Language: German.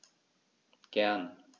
Gern.